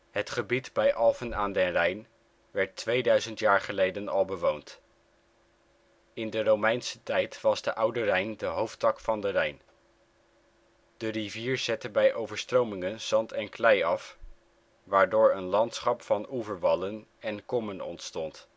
Het gebied bij Alphen aan den Rijn werd 2000 jaar geleden al bewoond. In de Romeinse tijd was de Oude Rijn de hoofdtak van de Rijn. De rivier zette bij overstromingen zand en klei af, waardoor een landschap van oeverwallen en kommen ontstond